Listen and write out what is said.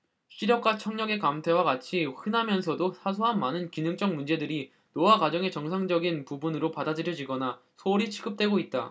시력과 청력의 감퇴와 같이 흔하면서도 사소한 많은 기능적 문제들이 노화 과정의 정상적인 부분으로 받아들여지거나 소홀히 취급되고 있다